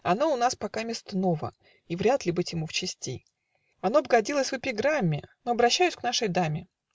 Оно у нас покамест ново, И вряд ли быть ему в чести. Оно б годилось в эпиграмме. ) Но обращаюсь к нашей даме.